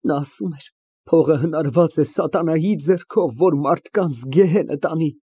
Նա ասում էր փողը հնարված է սատանայի ձեռքով, որ մարդկանց գեհենը տանի։